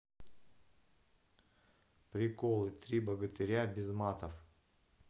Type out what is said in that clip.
приколы три богатыря без матов